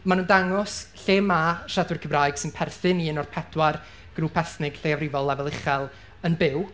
Maen nhw'n dangos lle ma' siaradwyr Cymraeg sy'n perthyn i {un|1] o'r pedwar grŵp ethnig lleiafrifol lefel uchel yn byw.